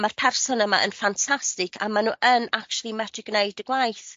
ma'r person yma yn ffantastig a ma' n'w yn actually metru gneud y gwaith.